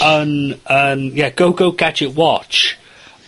..yn, ynn... Ie go go Gadget watch,